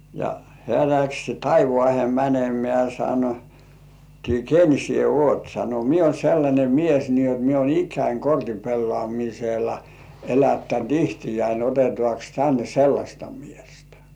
ja hän lähti taivaaseen menemään sanottiin ken sinä olet sanoi minä olen sellainen mies niin jotta minä olen ikäni kortinpelaamisella elättänyt itseäni otetaankos tänne sellaista miestä